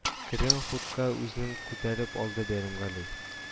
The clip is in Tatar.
Кергән хутка үзенең күтәреп алды Бәйрәмгали